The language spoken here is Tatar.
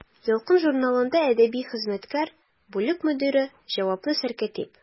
«ялкын» журналында әдәби хезмәткәр, бүлек мөдире, җаваплы сәркәтиб.